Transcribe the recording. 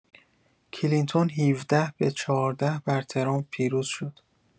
کلینتون ۱۷ به ۱۴ بر ترامپ پیروز شد